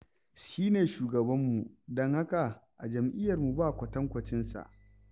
Shi ne shugabanmu, don haka a jam'iyyarmu ba kwatankwacinsa.